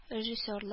Режиссерлык